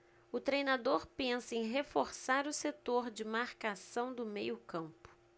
o treinador pensa em reforçar o setor de marcação do meio campo